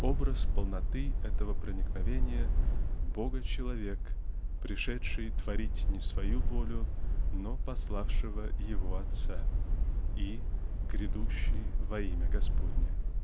Образ полноты этого проникновения -- Богочеловек пришедший "творить не свою волю но пославшего Его Отца" и "грядущий во имя Господне".